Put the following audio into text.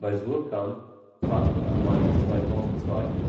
Suhrkamp, Frankfurt am Main 2002